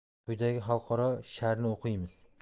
quyidagi xalqaro sharhni o'qiymiz